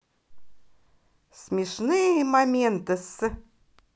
смешные моменты с